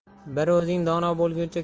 bir o'zing dono bo'lguncha